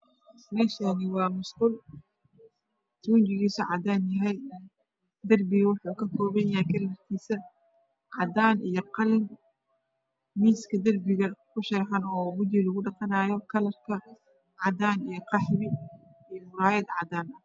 Mashan waa musqul kalar kedo waa cadan dhulka mutalelk waa cadan waxey ledahay tuji